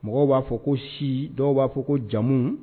Mɔgɔ b'a fɔ ko si dɔw b'a fɔ ko jamu